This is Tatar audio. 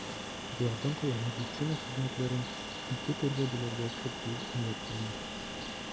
Болардан кала медицина хезмәтләрен ике төргә бүләргә кертү ниятләнде.